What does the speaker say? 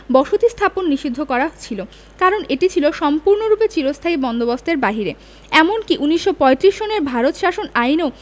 বসতী স্থাপন নিষিধ্ধ করা ছিল কারণ এটি ছিল সম্পূর্ণরূপে চিরস্থায়ী বন্দোবস্তের বাহিরে এমনকি ১৯৩৫ সনের ভারত শাসন আইনেও